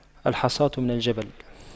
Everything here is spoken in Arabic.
الحصاة من الجبل